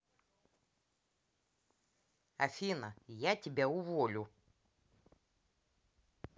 афина я тебя уволю